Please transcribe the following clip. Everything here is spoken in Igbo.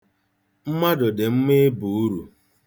Mmadụ dị mma ịba uru.